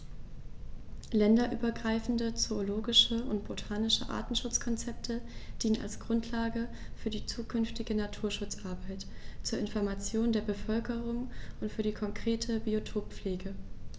Länderübergreifende zoologische und botanische Artenschutzkonzepte dienen als Grundlage für die zukünftige Naturschutzarbeit, zur Information der Bevölkerung und für die konkrete Biotoppflege.